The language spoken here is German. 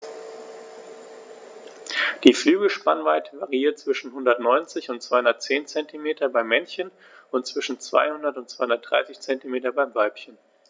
Die Flügelspannweite variiert zwischen 190 und 210 cm beim Männchen und zwischen 200 und 230 cm beim Weibchen.